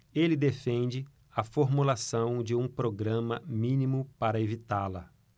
ele defende a formulação de um programa mínimo para evitá-la